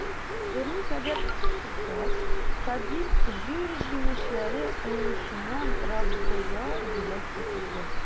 Берникадәр вакыт узгач, Кабил җир җимешләре уңышыннан Раббыга бүләк китерде.